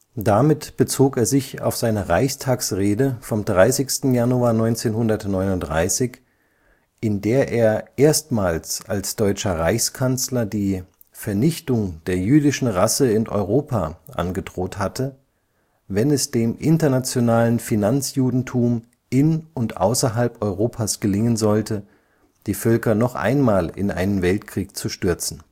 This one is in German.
Damit bezog er sich auf seine Reichstagsrede vom 30. Januar 1939, in der er erstmals als deutscher Reichskanzler die „ Vernichtung der jüdischen Rasse in Europa “angedroht hatte, „ wenn es dem internationalen Finanzjudentum in und außerhalb Europas gelingen sollte, die Völker noch einmal in einen Weltkrieg zu stürzen